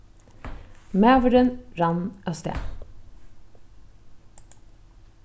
maðurin rann avstað